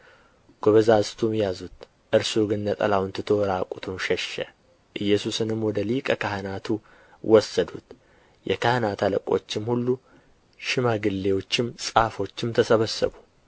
ጎበዛዝቱም ያዙት እርሱ ግን ነጠላውን ትቶ ዕራቁቱን ሸሸ ኢየሱስንም ወደ ሊቀ ካህናቱ ወሰዱት የካህናት አለቆችም ሁሉ ሽማግሌዎችም ጻፎችም ተሰበሰቡ